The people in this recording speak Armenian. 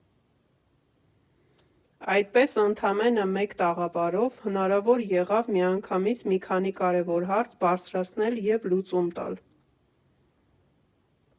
Այդպես, ընդամենը մեկ տաղավարով հնարավոր եղավ միանգամից մի քանի կարևոր հարց բարձրացնել և լուծում տալ։